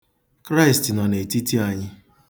Kraịst nọ n'etiti anyị.